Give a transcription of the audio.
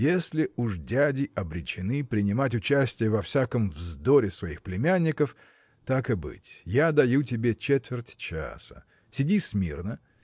Если уж дяди обречены принимать участие во всяком вздоре своих племянников так и быть я даю тебе четверть часа сиди смирно